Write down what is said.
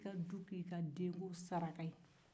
e ka du kɛ i ka denko saraka ye